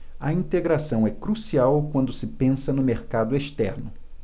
a integração é crucial quando se pensa no mercado externo